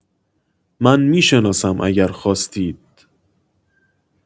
من می‌شناسم اگر خواستید